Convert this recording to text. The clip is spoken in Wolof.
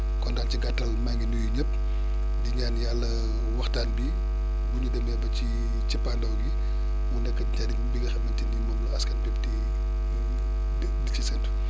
kon daal ci gàttal maa ngi nuyu ñëpp di ñaan yàlla waxtaan bi bu ñu demee ba ci cappaandaw gi mu nekk njëriñ bi nga xamante ni moom la askan bépp di di ci séntu